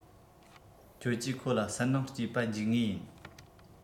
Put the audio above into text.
ཁྱོད ཀྱིས ཁོ ལ སུན སྣང སྐྱེས པ འཇུག ངེས ཡིན